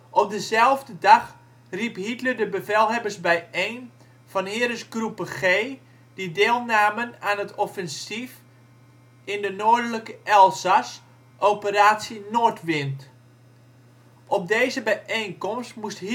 Op dezelfde dag riep Hitler de bevelhebbers bijeen van Heeresgruppe G die deelnamen aan het offensief in de noordelijke Elzas (Operatie Nordwind). Op deze bijeenkomst moest